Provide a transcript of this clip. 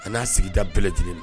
A n'a sigi da bɛɛlɛj na